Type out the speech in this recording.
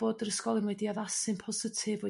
bod yr ysgolion wedi addasu'n positif